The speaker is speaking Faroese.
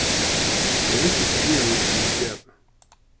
eg visti ikki hví hann ikki vildi gera tað